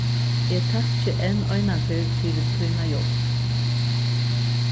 eg takki enn einaferð fyri tína hjálp